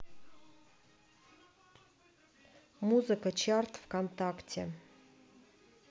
музыка чарт в контакте